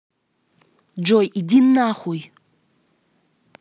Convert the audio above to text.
джой иди нахуй